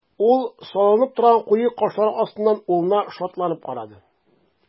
Ул салынып торган куе кашлары астыннан улына шатланып карады.